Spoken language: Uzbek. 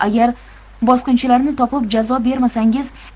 agar bosqinchilarni topib jazo bermasangiz